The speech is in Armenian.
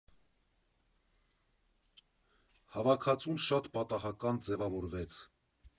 Հավաքածուն շատ պատահական ձևավորվեց։